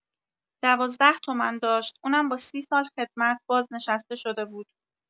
۱۲ تومن داشت، اونم با ۳۰ سال خدمت بازنشسته شده بود.